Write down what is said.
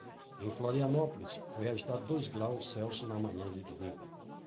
em florianópolis foi registrado dois graus celsius na manhã de domingo